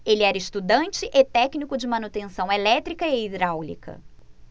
ele era estudante e técnico de manutenção elétrica e hidráulica